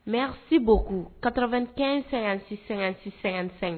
Merci beaucoup 95 56 56 55